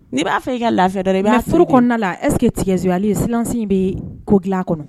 Ni b'a fɔ i ka lafi i furu kɔnɔna la ɛ eseke tigɛso ale ye siransen bɛ ko dilan kɔnɔ